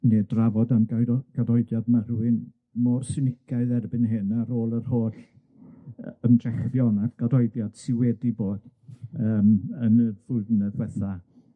ne' drafod am gaido- gadoediad ma' rhywun mor sinigaidd erbyn hyn, ar ôl yr holl yy ymdrechion ar gadoediad sy wedi bod yym yn y blwyddyne dwetha.